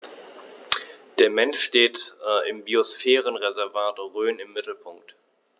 Der Mensch steht im Biosphärenreservat Rhön im Mittelpunkt.